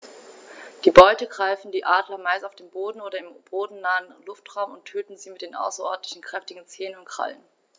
Die Beute greifen die Adler meist auf dem Boden oder im bodennahen Luftraum und töten sie mit den außerordentlich kräftigen Zehen und Krallen.